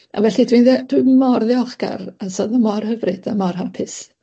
A felly dwi'n dde- dwi mor ddiolchgar, achos o'dd yn mor hyfryd a mor hapus.